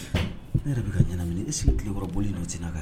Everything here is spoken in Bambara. Ne yɛrɛ ɲɛnamina e sigi tilekɔrɔ boli tɛ n